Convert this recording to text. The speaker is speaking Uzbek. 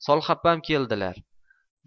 solxapam kelganlar